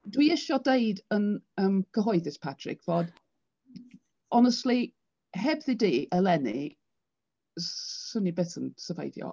Dwi isio deud yn yym cyhoeddus Patrick fod honestly hebddo di eleni, 'swn i byth yn syrfeifio.